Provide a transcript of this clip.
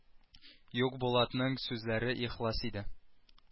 Юк булатның сүзләре ихлас иде